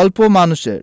অল্প মানুষের